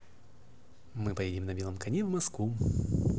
мы поедем на белом коне в москву